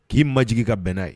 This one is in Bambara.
K'i ma jigin ka bɛnna ye